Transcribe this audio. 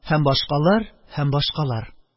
Һәм башкалар, һәм башкалар..